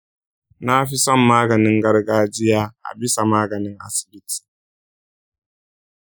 nafison maganin gargajiya a bisa maganin asibiti.